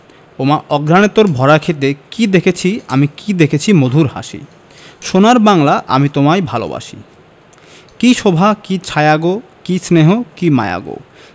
ওমা অঘ্রানে তোর ভরা ক্ষেতে কী দেখসি আমি কী দেখেছি মধুর হাসি সোনার বাংলা আমি তোমায় ভালোবাসি কী শোভা কী ছায়া গো কী স্নেহ কী মায়া গো